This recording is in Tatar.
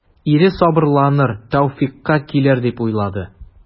Ире сабырланыр, тәүфыйкка килер дип уйлады.